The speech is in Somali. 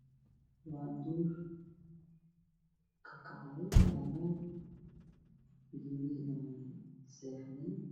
Waa duur ka kacay dabeel geedihi dhamaa seexdeen